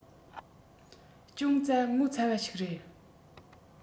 ཅུང ཙ ངོ ཚ བ ཞིག ཡོད